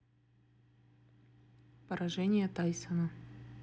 поражение тайсона